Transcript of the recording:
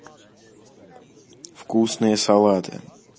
вкусные салаты